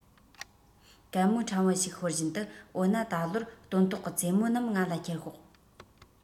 གད མོ ཕྲན བུ ཞིག ཤོར བཞིན དུ འོ ན ད ལོར སྟོན ཐོག གི ཙེ མོ རྣམས ང ལ ཁྱེར ཤོག